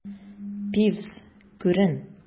Пивз, күрен!